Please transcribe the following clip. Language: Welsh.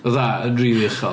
Fatha yn rili uchel.